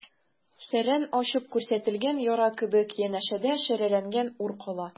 Шәрран ачып күрсәтелгән яра кебек, янәшәдә шәрәләнгән ур кала.